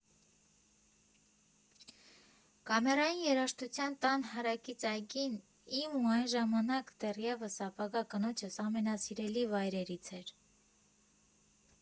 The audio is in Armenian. Կամերային երաժշտության տան հարակից այգին իմ ու այն ժամանակ դեռևս ապագա կնոջս ամենասիրելի վայրերից էր։